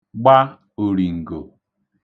gba òrìǹgò